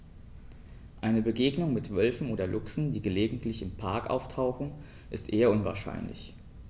Eine Begegnung mit Wölfen oder Luchsen, die gelegentlich im Park auftauchen, ist eher unwahrscheinlich.